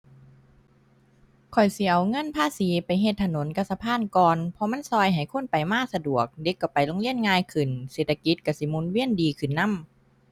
ข้อยสิเอาเงินภาษีไปเฮ็ดถนนกับสะพานก่อน เพราะมันช่วยให้คนไปมาสะดวก เด็กช่วยไปโรงเรียนง่ายขึ้น เศรษฐกิจช่วยสิหมุนเวียนดีขึ้นนำ